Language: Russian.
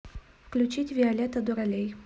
включить виолетта дуралей